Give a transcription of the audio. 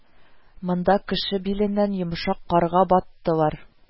Монда кеше биленнән йомшак карга баттылар